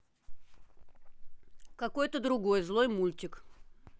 какой то другой злой мультик